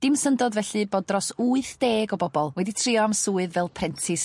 Dim syndod felly bod dros wyth deg o bobol wedi trio am swydd fel prentis